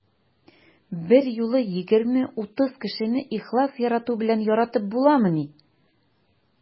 Берьюлы 20-30 кешене ихлас ярату белән яратып буламыни?